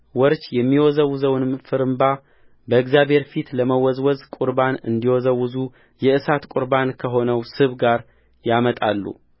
ወርች የሚወዘወዘውንም ፍርምባ በእግዚአብሔር ፊት ለመወዝወዝ ቁርባን እንዲወዘውዙ የእሳት ቁርባን ከሆነው ስብ ጋር ያመጣሉ